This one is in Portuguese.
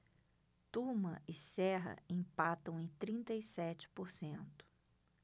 tuma e serra empatam em trinta e sete por cento